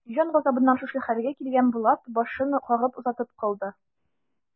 Җан газабыннан шушы хәлгә килгән Булат башын кагып озатып калды.